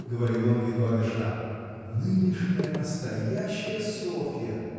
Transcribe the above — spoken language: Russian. — говорил он, едва дыша, — нынешняя, настоящая Софья!